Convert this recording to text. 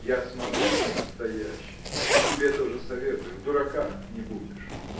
– Я смотрю с настоящей – и тебе тоже советую: в дураках не будешь.